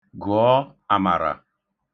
Gụọ 'Amara'.